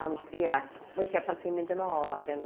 Ond ia, weithia pan ti'n mynd yn ôl ac yn...